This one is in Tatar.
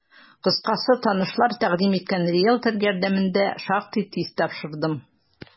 Кыскасы, танышлар тәкъдим иткән риелтор ярдәмендә шактый тиз тапшырдым.